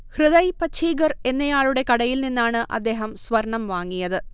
ഹൃദയ് പഛീഗർ എന്നയാളുടെ കടയിൽനിന്നാണ് അദ്ദേഹം സ്വർണം വാങ്ങിയത്